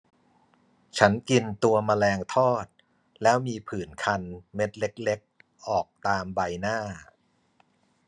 ฉันกินตัวแมลงทอดแล้วมีผื่นคันเม็ดเล็กเล็กออกตามใบหน้า